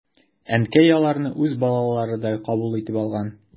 Әнкәй аларны үз балаларыдай кабул итеп алган.